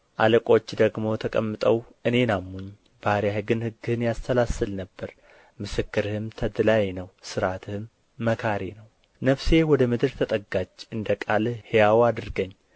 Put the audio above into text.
አለቆች ደግሞ ተቀምጠው እኔን አሙኝ ባሪያህ ግን ሕግህን ያሰላስል ነበር ምስክርህም ተድላዬ ነው ሥርዓትህም መካሪዬ ነው ነፍሴ ወደ ምድር ተጠጋች እንደ ቃልህ ሕያው አድርገኝ